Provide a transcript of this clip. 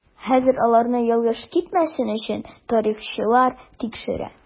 Хәзер аларны ялгыш китмәсен өчен тарихчылар тикшерә.